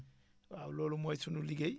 waaw loolu mooy sunu liggéey